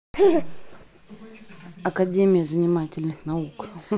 академия занимательных наук